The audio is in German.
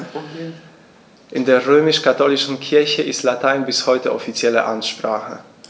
In der römisch-katholischen Kirche ist Latein bis heute offizielle Amtssprache.